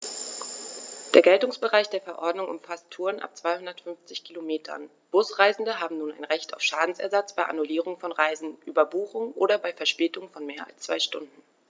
Der Geltungsbereich der Verordnung umfasst Touren ab 250 Kilometern, Busreisende haben nun ein Recht auf Schadensersatz bei Annullierung von Reisen, Überbuchung oder bei Verspätung von mehr als zwei Stunden.